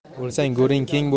o'lsang go'ring keng